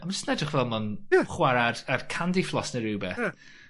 A ma' jys yn edrych fel ma' yn... Ie. ...chwar'e ar ar candy floss ne' rwbeth. Ie.